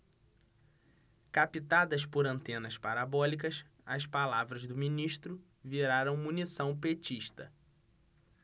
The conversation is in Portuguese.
captadas por antenas parabólicas as palavras do ministro viraram munição petista